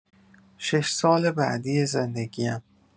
شش سال بعدی زندگی‌ام